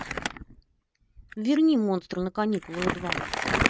верни монстры на каникулах два